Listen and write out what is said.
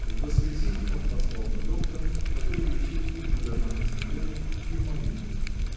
В воскресенье он послал за доктором, который лечил и в губернаторском доме, и в Малиновке.